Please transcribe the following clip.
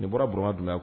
Nin bɔra Burama Dumuya